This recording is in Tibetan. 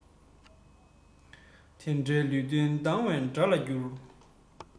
དེ འདྲའི ལུས རྟེན སྡང བའི དགྲ ལ འགྱུར